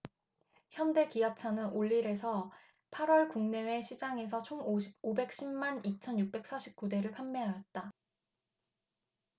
현대 기아차는 올 일 에서 팔 월 국내외 시장에서 총 오백 십 만 이 천 육백 사십 구 대를 판매했다